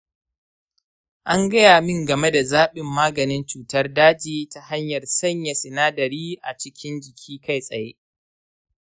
an gaya min game da zaɓin maganin cutar daji ta hanyar sanya sinadari a cikin jiki kai tsaye.